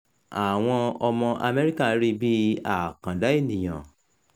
Àwọn ọmọ Amẹ́ríkà rí i bí àkàndá ènìyàn.